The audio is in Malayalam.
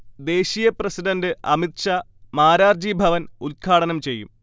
ദേശീയ പ്രെസിഡന്റ് അമിത്ഷാ മാരാർജി ഭവൻ ഉത്ഘാടനം ചെയ്യും